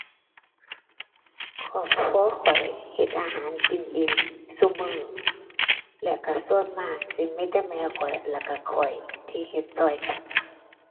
ครอบครัวข้อยเฮ็ดอาหารกินเองซุมื้อ และก็ส่วนมากสิมีแต่แม่ข้อยแล้วก็ข้อยที่เฮ็ดก็กัน